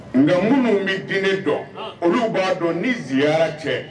Nka minnu bɛ di ne dɔn olu b'a dɔn ni ziyara cɛ